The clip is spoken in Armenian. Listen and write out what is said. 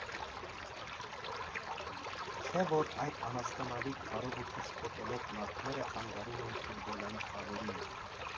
Չէ՞ որ այդ անհասկանալի քարով ու թռչկոտելով հնարքները խանգարում էին ֆուտբոլային խաղերին։